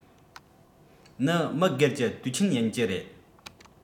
ནི མི སྒེར གྱི དུས ཆེན ཡིན གྱི རེད